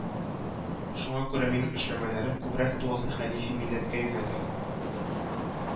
Шуңа күрә минем эшләмәләрем күбрәк туасы хәнифи милләткә юнәлгән